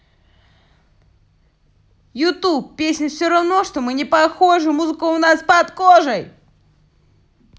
youtube песня все равно что мы не похожи музыку у нас под кожей